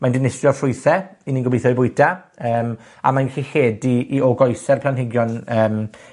mae'n dinistrio ffrwythe, 'yn ni'n gobeithio eu bwyta, yym a mae'n gallu lledu i o goese'r planhigion yym,